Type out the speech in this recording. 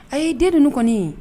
A ye den dun kɔni ye